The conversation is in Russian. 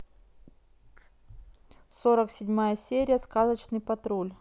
сорок седьмая серия сказочный патруль